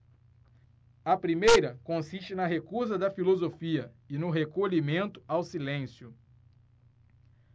a primeira consiste na recusa da filosofia e no recolhimento ao silêncio